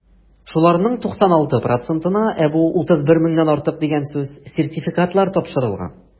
Шуларның 96 процентына (31 меңнән артык) сертификатлар тапшырылган.